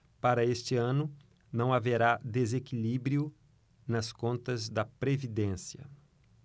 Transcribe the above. para este ano não haverá desequilíbrio nas contas da previdência